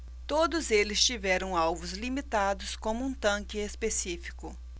todos eles tiveram alvos limitados como um tanque específico